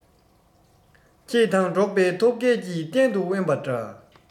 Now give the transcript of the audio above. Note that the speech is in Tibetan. ཁྱེད དང འགྲོགས པའི ཐོབ སྐལ གྱིས གཏན དུ དབེན པ འདྲ